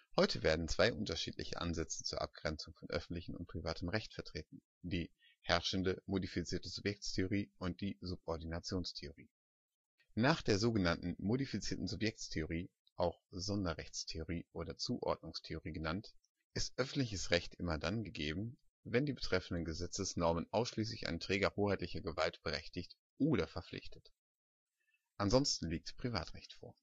Heute werden zwei unterschiedliche Ansätze zur Abgrenzung von öffentlichem und privatem Recht vertreten – die (herrschende) modifizierte Subjektstheorie und die Subordinationstheorie: Nach der so genannten modifizierten Subjektstheorie – auch Sonderrechtstheorie oder Zuordnungstheorie genannt – ist öffentliches Recht immer dann gegeben, wenn die betroffene Gesetzesnorm ausschließlich einen Träger hoheitlicher Gewalt berechtigt oder verpflichtet. Ansonsten liegt Privatrecht vor